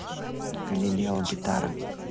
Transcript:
галилео гитара